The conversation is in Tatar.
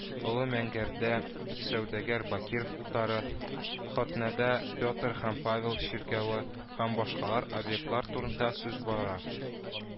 Олы Мәңгәрдә сәүдәгәр Бакиров утары, Хотняда Петр һәм Павел чиркәве һәм башкалар объектлар турында сүз бара